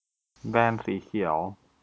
แบนสีเขียว